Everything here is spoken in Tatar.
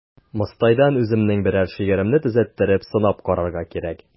Мостайдан үземнең берәр шигыремне төзәттереп сынап карарга кирәк.